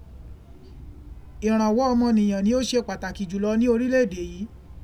Ìrànwọ́ ọmọ nìyàn ni ó se pàtàkì jùlọ ní orílẹ̀ èdè yìí.